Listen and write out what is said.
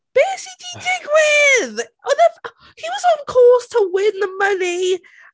Be sy 'di digwydd?! Oedd e a- he was on course to win the money...